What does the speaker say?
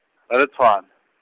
ra le Tshwane.